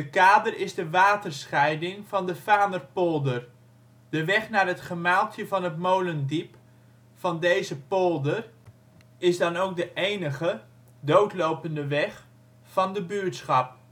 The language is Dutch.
kade is de waterscheiding van de Fanerpolder. De weg naar het gemaaltje van het Molendiep, van deze polder is dan ook de enige (doodlopende) weg van het buurtschap